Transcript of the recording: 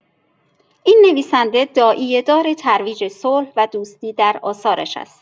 این نویسنده داعیه‌دار ترویج صلح و دوستی در آثارش است.